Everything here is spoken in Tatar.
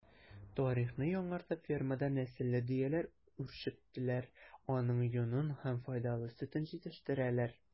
Тарихны яңартып фермада нәселле дөяләр үчретәләр, аның йонын һәм файдалы сөтен җитештерәләр.